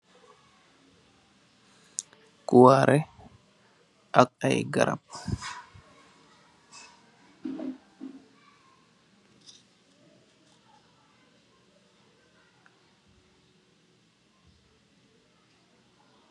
Kuwareh ak ay garab.